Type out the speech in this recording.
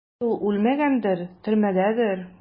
Яки ул үлмәгәндер, төрмәдәдер?